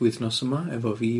...wythnos yma efo fi...